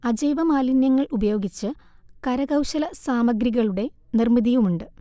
അജൈവ മാലിന്യങ്ങൾ ഉപയോഗിച്ച് കരകൗശല സാമഗ്രികളുടെ നിർമിതിയുമുണ്ട്